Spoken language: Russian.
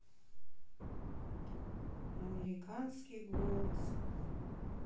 американский голос